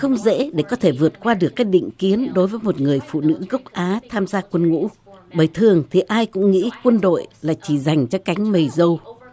không dễ để có thể vượt qua được các định kiến đối với một người phụ nữ gốc á tham gia quân ngũ bởi thường thì ai cũng nghĩ quân đội là chỉ dành cho cánh mày râu